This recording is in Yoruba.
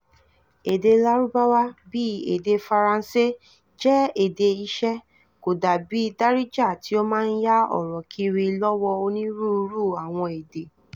Èdè Lárúbáwá, bíi èdè Faransé, jẹ́ èdè iṣẹ́ kò dà bíi Darija tí ó máa ń yá ọ̀rọ̀ kiri lọ́wọ́ onírúurú àwọn èdè.